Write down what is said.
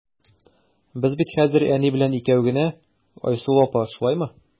Без бит хәзер әни белән икәү генә, Айсылу апа, шулаймы?